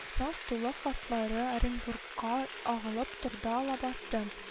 Наз тулы хатлары оренбургка агылып торды лабасы